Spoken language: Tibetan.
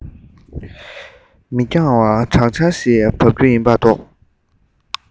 མི འགྱང བར དྲག ཆར ཞིག དབབ རྒྱུ ཡིན པ རྟོགས